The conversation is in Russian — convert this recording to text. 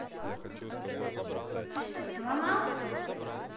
ты что сломался